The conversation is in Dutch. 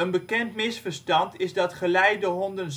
bekend misverstand is dat geleidehonden